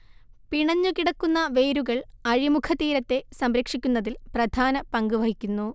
പിണഞ്ഞുകിടക്കുന്ന വേരുകൾ അഴിമുഖ തീരത്തെ സംരക്ഷിക്കുന്നതിൽ പ്രധാനപങ്ക് വഹിക്കുന്നു